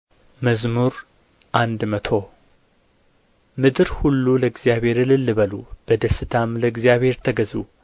መዝሙር መቶ ምድር ሁሉ ለእግዚአብሔር እልል በሉ በደስታም ለእግዚአብሔር ተገዙ